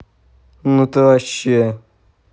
ну ты вообще